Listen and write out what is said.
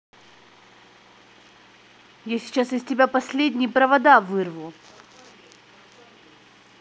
я сейчас из тебя последний провода вырву